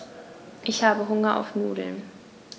Ich habe Hunger auf Nudeln.